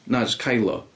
Na, jyst Kylo.